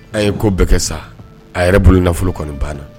An ye ko bɛɛ kɛ sa a yɛrɛ bolo nafolo kɔnɔ banna